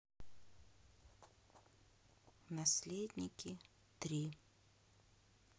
наследники три